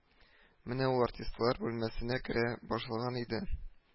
Менә ул артистлар бүлмәсенә керә башлаган иде